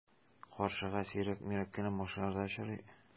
Каршыга сирәк-мирәк кенә машиналар да очрый.